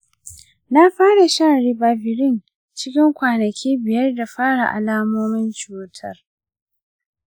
nafara shan ribavirin cikin kwanaki biyar da fara alamomin cutar.